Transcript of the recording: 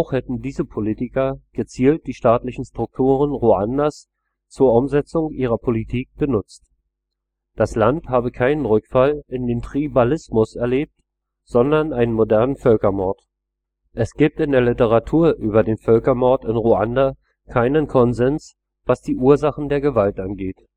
hätten diese Politiker gezielt die staatlichen Strukturen Ruandas zur Umsetzung ihrer Politik benutzt. Das Land habe keinen Rückfall in Tribalismus erlebt, sondern einen modernen Völkermord. Es gibt in der Literatur über den Völkermord in Ruanda keinen Konsens, was die Ursachen der Gewalt angeht